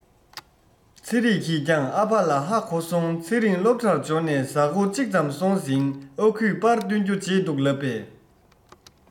ཚེ རིང གིས ཀྱང ཨ ཕ ལ ཧ གོ སོང ཚེ རིང སློབ གྲྭར འབྱོར ནས གཟའ འཁོར གཅིག ཙམ སོང ཟིན ཨ ཁུས པར བཏོན རྒྱུ བརྗེད འདུག ལབ པས